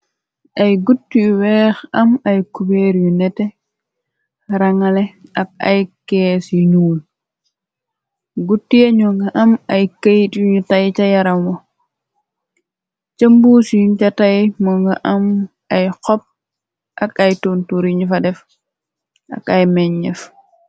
Ay gut yu weex am ay kubeer yu nete rangale ak ay kees yi nuul gut yeeño nga am ay këyit yunu tay ca yaram o cëmbuus yun ca tay moo nga am ay xop ak ay tunturyinu fa def ak ay menñeef.